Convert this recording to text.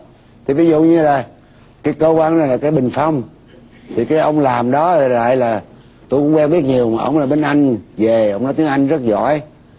thì ví dụ như này cái cơ quan này là cái bình phong thì cái ông làm đó lại là tôi quen biết nhiều ổng là bên anh về ổng nói tiếng anh rất giỏi